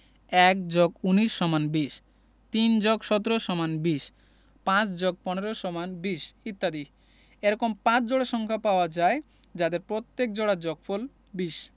১+১৯=২০ ৩+১৭=২০ ৫+১৫=২০ ইত্যাদি এরকম ৫ জোড়া সংখ্যা পাওয়া যায় যাদের প্রত্যেক জোড়ার যগফল ২০